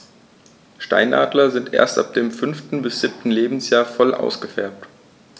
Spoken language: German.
Steinadler sind erst ab dem 5. bis 7. Lebensjahr voll ausgefärbt.